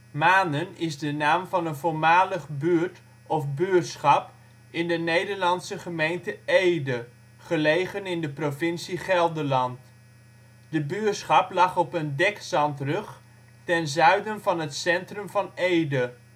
Manen is de naam van een voormalig buurt, of buurschap in de Nederlandse gemeente Ede, gelegen in de provincie Gelderland. De buurschap lag op een dekzandrug, ten zuiden van het centrum van Ede